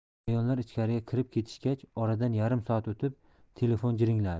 a'yonlar ichkariga kirib ketishgach oradan yarim soat o'tib telefon jiringladi